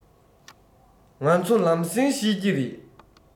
ང ཚོ ལམ སེང ཤེས གྱི རེད